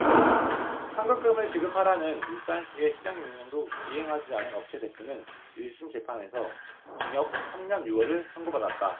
환급금을 지급하라는 울산시의 시정명령도 이행하지 않은 업체대표는 일 심 재판에서 징역 삼 년 유 월을 선고받았다